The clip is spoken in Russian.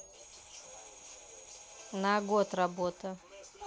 на год работа